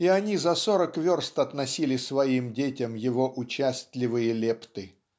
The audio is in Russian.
и оне за сорок верст относили своим детям его участливые лепты.